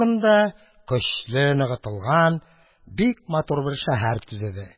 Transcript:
Шул урында көчле ныгытылган бик матур бер шәһәр төзеде.